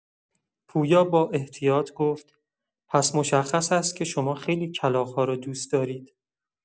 پویا با احتیاط گفت: «پس مشخص است که شما خیلی کلاغ‌ها را دوست دارید!»